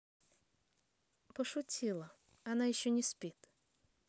пошутила она еще не спит